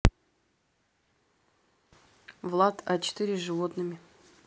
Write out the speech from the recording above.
влад а четыре с животными